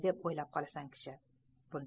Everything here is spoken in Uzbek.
deb o'ylab qolasan kishi